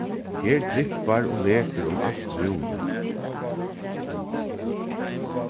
her dryppar og lekur um alt rúmið